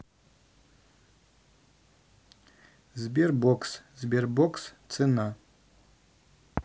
sberbox sberbox цена